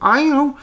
I know.